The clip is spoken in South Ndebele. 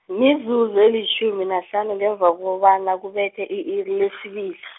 mizuzu elitjhumi nahlanu ngemva kobana kubethe i-iri lesibili.